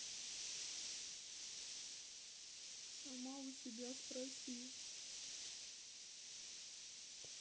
сама у себя спроси